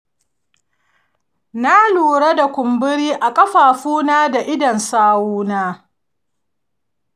na lura da kumburi a ƙafafuna da idon sawuna.